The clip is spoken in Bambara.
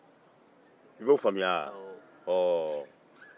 i y'o faamuya wa